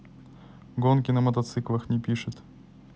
гонки на мотоциклах не пишет